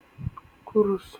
Kuruus.